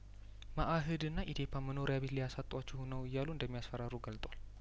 መአህድና ኢዴፓ መኖሪያ ቤት ሊያሳጧችሁ ነው እያሉ እንደሚያስፈራሩ ገልጧል